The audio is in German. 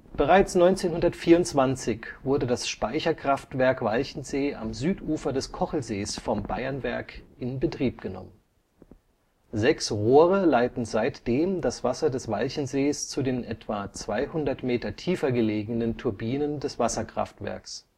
Bereits 1924 wurde das Speicherkraftwerk Walchensee am Südufer des Kochelsees vom Bayernwerk in Betrieb genommen. Sechs Rohre leiten seitdem das Wasser des Walchensees zu den ca. 200 Meter tiefer gelegenen Turbinen des Wasserkraftwerks